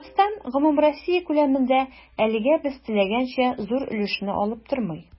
Татарстан гомумроссия күләмендә, әлегә без теләгәнчә, зур өлешне алып тормый.